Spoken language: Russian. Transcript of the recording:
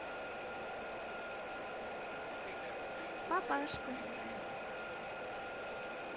папашку